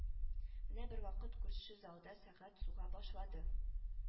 Менә бервакыт күрше залда сәгать суга башлады